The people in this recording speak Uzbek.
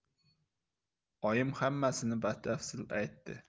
oyim hammasini batafsil aytdi